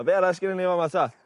A be' arall sgennon ni yn fama ta?